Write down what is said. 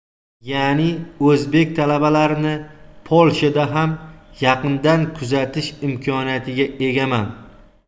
ya'ni o'zbek talabalarini polshada ham yaqindan kuzatish imkoniyatiga egaman